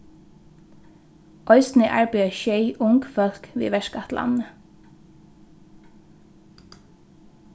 eisini arbeiða sjey ung fólk við verkætlanini